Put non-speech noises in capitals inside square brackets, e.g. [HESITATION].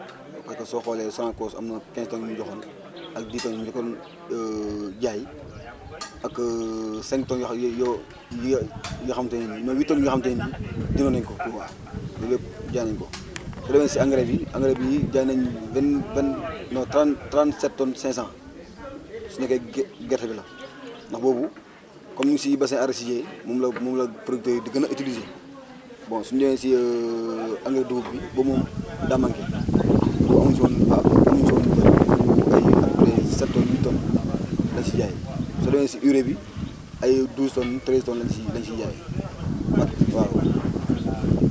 [CROSSTALK] parce que soo xoolee Sonacos am na 15 tonnes yu mu ñu joxoon [CROSSTALK] ak 10 tonnes yim ñu njëkkoon [HESITATION] jaay [CROSSTALK] ak [HESITATION] 5 tonnes yoo xa yoo yoo xamante ne bii mooy 8 tonnes yoo xamante ne bii jëndoon nañ ko Touba loolu yëpp jaay nañ ko [NOISE] soo demee si engrais bi engrais bi jaay nañ vingt vingt non trente sept tonnes cinq cent [CROSSTALK] su nekkee ge gerte bi la ndax boobu comme ñu ngi si bassin arachidier moom la moom la producteurs yi di gën a utilisé [CROSSTALK] bon su ñu demee si [HESITATION] engrais dugub bi boobu moom daa manqué [NOISE] boobu amu ñu si woon amu ñu si woon lu bëri [NOISE] ay ay ay sept tonnes huit tonnes [NOISE] lañ si jaay soo demee si urée bi ay douze tonnes treize tonnes lañ si lañ si jaay [NOISE] Mbacké waaw [NOISE]